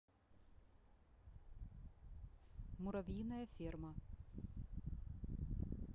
муравьиная ферма